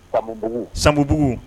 Bugu sanbugu